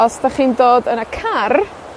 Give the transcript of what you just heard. os 'dach chi'n dod yn y car,